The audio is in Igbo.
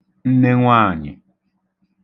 nnenwaànyị̀